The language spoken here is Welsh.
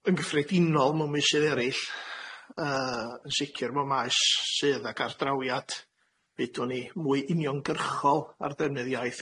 Yn gyffredinol mewn meysydd erill, yy yn sicir mewn maes sydd ag ardrawiad, be 'udwn ni, mwy uniongyrchol ar ddefnydd iaith,